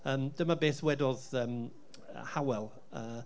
yym dyma beth wedodd yym yy Hywel yy...